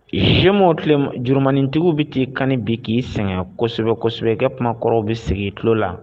gemeau tile jurumanintigiw bɛ k'i kanni bi k'i sɛgɛn kosɛbɛ, kosɛbɛkɛ, i ka kumakɔrɔw bɛ segi i tulo la